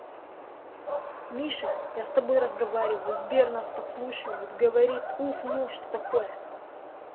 миша я с тобой разговариваю сбер нас подслушивают говорит уф ну что такое